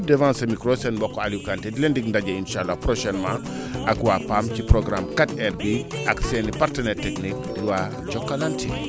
devant ce micro seen mbokk Aliou Kanté di leen dig ndaje incha allah prochainement ak waa PAM ci programme 4R bi ak seen partenaire technique waa Jokalante